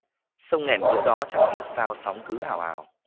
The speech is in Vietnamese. sông nghèn bữa đó chẳng hiểu sao sóng cứ ào ào